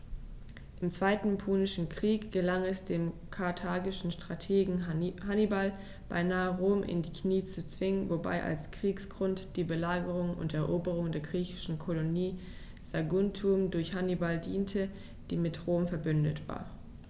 Im Zweiten Punischen Krieg gelang es dem karthagischen Strategen Hannibal beinahe, Rom in die Knie zu zwingen, wobei als Kriegsgrund die Belagerung und Eroberung der griechischen Kolonie Saguntum durch Hannibal diente, die mit Rom „verbündet“ war.